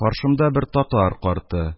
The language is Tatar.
Каршымда бер татар карты: